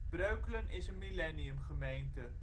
Breukelen is een Millennium Gemeente